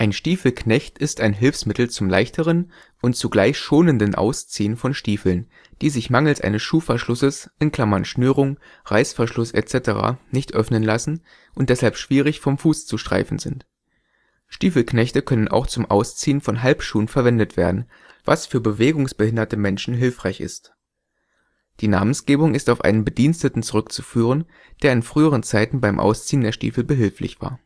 Stiefelknecht ist ein Hilfsmittel zum leichteren und zugleich schonenden Ausziehen von Stiefeln, die sich mangels eines Schuhverschlusses (Schnürung, Reißverschluss etc.) nicht öffnen lassen und deshalb schwierig vom Fuß zu streifen sind. Stiefelknechte können auch zum Ausziehen von Halbschuhen verwendet werden, was für bewegungsbehinderte Personen hilfreich ist. Die Namensgebung ist auf einen Bediensteten zurückzuführen, der in früheren Zeiten beim Ausziehen der Stiefel behilflich war